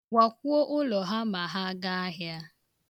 Wakwuo ụlọ ha ma ha gaa ahịa.